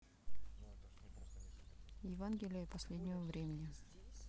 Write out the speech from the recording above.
евангелие последнего времени